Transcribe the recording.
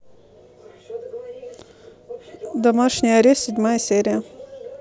домашний арест седьмая серия